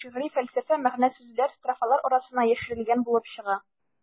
Шигъри фәлсәфә, мәгънә-сүзләр строфалар арасына яшерелгән булып чыга.